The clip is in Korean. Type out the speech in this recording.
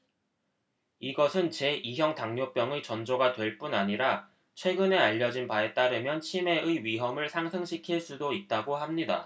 이것은 제 이 형 당뇨병의 전조가 될 뿐 아니라 최근에 알려진 바에 따르면 치매의 위험을 상승시킬 수도 있다고 합니다